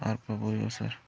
arpa bo'yi o'sar